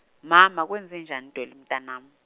mama, kwenzenjani Dolly mntanam-.